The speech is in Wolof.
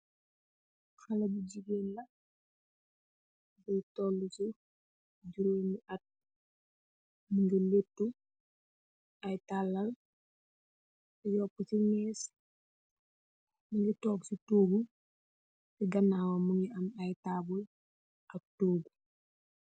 Haleh bu gigain la, mungy torlu ci juromi att, mungy lehtu aiiy tarlal yoku chi meeche, mungy tok c tohgu, ci ganawam mungy amm aiiy taabul ak tohgu.